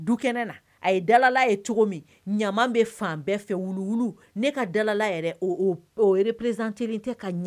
Du a ye dalala cogo min bɛ fan bɛɛ fɛn wulu ne ka dalala yɛrɛ prezte tɛ ka